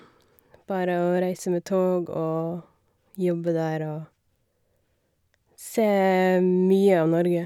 Bare å reise med tog og jobbe der og se mye av Norge.